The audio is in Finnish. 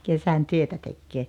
kesän työtä tekee